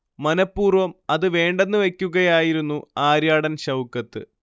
മനപ്പൂർവ്വം അത് വേണ്ടെന്ന് വയ്ക്കുകയായിരുന്നു ആര്യാടൻ ഷൗക്കത്ത്